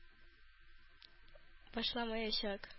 Башламаячак